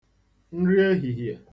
nri ehìhiè